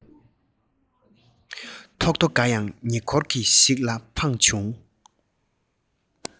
ཐོག རྡོ འགའ ཡང ཉེ འཁོར ཞིག ལ འཕངས བྱུང